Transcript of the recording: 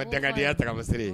Ka dagagadenyaya tafaseere ye